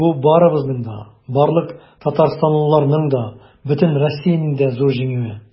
Бу барыбызның да, барлык татарстанлыларның да, бөтен Россиянең дә зур җиңүе.